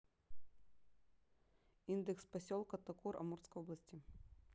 индекс поселка токур амурской области